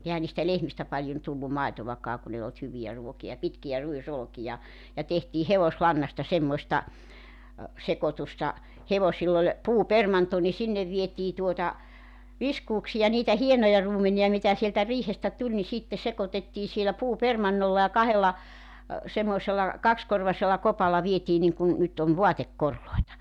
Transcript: eihän niistä lehmistä paljon tullut maitoakaan kun ei ollut hyviä ruokia pitkiä ruisolkia ja tehtiin hevoslannasta semmoista sekoitusta hevosilla oli puupermanto niin sinne vietiin tuota viskuuksia niitä hienoja ruumenia mitä sieltä riihestä tuli niin sitten sekoitettiin siellä puupermannolla ja kahdella semmoisella kaksikorvaisella kopalla vietiin niin kuin nyt on vaatekoreja